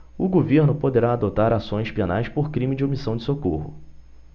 o governo poderá adotar ações penais por crime de omissão de socorro